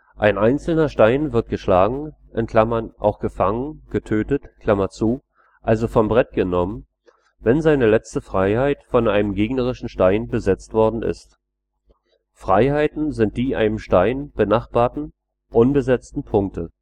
Ein einzelner Stein wird geschlagen (auch gefangen, getötet), also vom Brett genommen, wenn seine letzte Freiheit von einem gegnerischen Stein besetzt worden ist. Freiheiten sind die einem Stein benachbarten unbesetzten Punkte